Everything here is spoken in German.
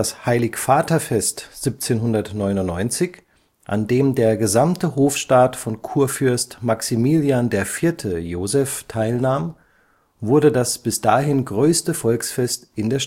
Heilig-Vater-Fest 1799, an dem der gesamte Hofstaat von Kurfürst Maximilian IV. Joseph teilnahm, wurde das bis dahin größte Volksfest in der